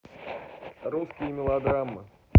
русские мелодраммы